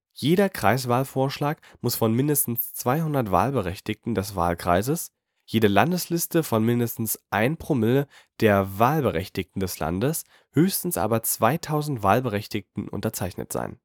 Jeder Kreiswahlvorschlag muss von mindestens 200 Wahlberechtigten des Wahlkreises, jede Landesliste von mindestens 1 ‰ (Promille) der Wahlberechtigten des Landes, höchstens aber 2000 Wahlberechtigten, unterzeichnet sein